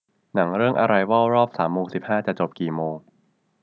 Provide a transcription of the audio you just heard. หนังเรื่องอะไรวอลรอบสามโมงสิบห้าจะจบกี่โมง